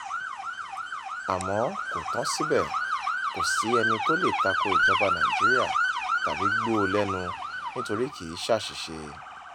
Àmọ́ kò tán síbẹ̀, kò sí ẹní tó lè tako ìjọba Nàìjíríà tàbí gbó o lẹ́nu nítorí kì í ṣ'àṣìṣe.